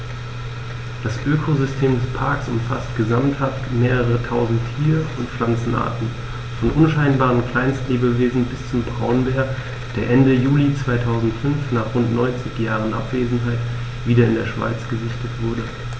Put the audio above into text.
Das Ökosystem des Parks umfasst gesamthaft mehrere tausend Tier- und Pflanzenarten, von unscheinbaren Kleinstlebewesen bis zum Braunbär, der Ende Juli 2005, nach rund 90 Jahren Abwesenheit, wieder in der Schweiz gesichtet wurde.